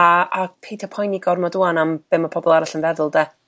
a a peidio poeni gormod wan am be ma' pobol arall yn feddwl de?